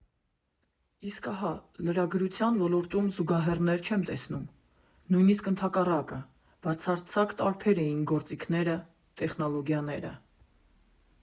Իսկ ահա լրագրության ոլորտում զուգահեռներ չեմ տեսնում, նույնիսկ ընդհակառակը, բացարձակ տարբեր էին գործիքները, տեխնոլոգիաները։